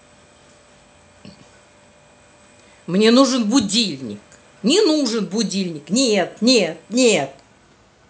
мне нужен будильник не нужен будильник нет нет нет нет